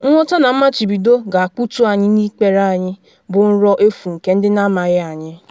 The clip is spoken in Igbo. “Nghọta na mmachibido ga-akputu anyị n’ikpere anyị bụ nrọ efu nke ndị na amaghị anyị.